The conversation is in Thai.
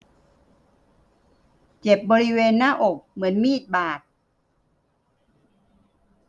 เจ็บบริเวณหน้าอกเหมือนมีดบาด